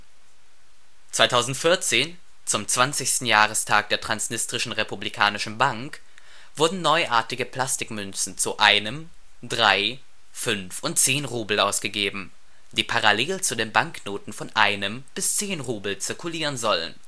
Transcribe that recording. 2014, zum 20. Jahrestag der Transnistrischen Republikanischen Bank, wurden neuartige Plastikmünzen zu 1, 3, 5 und 10 Rubel ausgegeben, die parallel zu den Banknoten von 1 bis 10 Rubel zirkulieren sollen